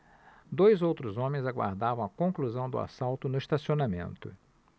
dois outros homens aguardavam a conclusão do assalto no estacionamento